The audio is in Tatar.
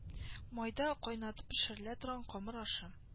Майда кайнатып пешерелә торган камыр ашы